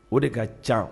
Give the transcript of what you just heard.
O de ka ca